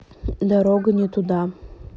дорога не туда